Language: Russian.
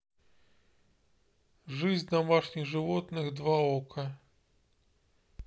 жизнь домашних животных два окко